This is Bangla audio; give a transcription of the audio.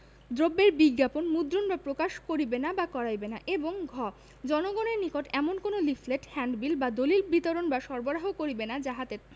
দ্রব্যের বিজ্ঞাপন মুদ্রণ বা প্রকাশ করিবে না বা করাইবে না এবং ঘ জনগণের নিকট এমন কোন লিফলেট হ্যান্ডবিল বা দলিল বিতরণ বা সরবরাহ করিবেনা যাহাতে